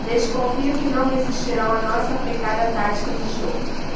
desconfio que não resistirão à nossa aplicada tática de jogo